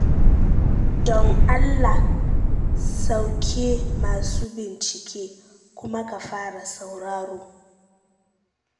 Don Allah sauke Masu bincike kuma ka fara sauraro.'